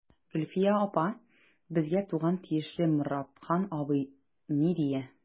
Гөлфия апа, безгә туган тиешле Моратхан абзый ни дия.